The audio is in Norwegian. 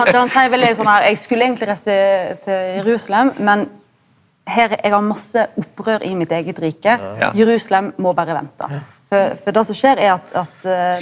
altså han seier veldig sånn her eg skulle eigentleg reiste til til Jerusalen men her eg har masse opprør i mitt eige rike, Jerusalem må berre vente, for for det som skjer er at at .